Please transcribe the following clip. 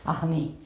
ah niin